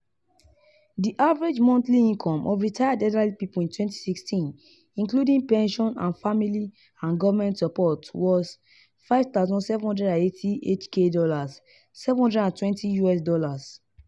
The average monthly income of retired elderly people in 2016—including pension and family and government support—was HK$5,780 (US$720).